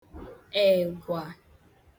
ègwa